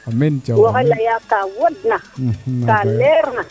waxey leya kaa wodna kaa leer na